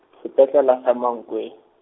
se petlela, sa Mankweng.